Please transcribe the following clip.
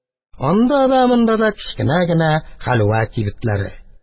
Анда да, монда да кечкенә генә хәлвә кибетләре.